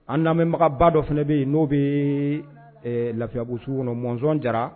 An lamɛnbagaba dɔ fana be yen no bɛ lafiyakusu kɔnɔ Mɔnzɔn jara